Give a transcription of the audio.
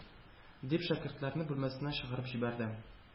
Дип, шәкертләрне бүлмәсеннән чыгарып җибәрде.